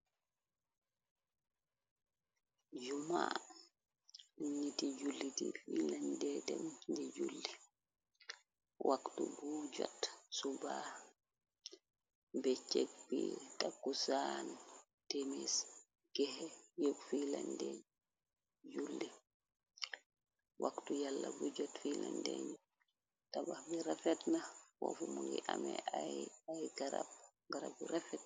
juma lu niti julli di filandee dem je julli waxtu bu jot suba be ceg bi takku saan demes gexe e filande julli waktu yala bu jott filande nu tabax bi refet na wofu mo ngi amee ay garab garabu refett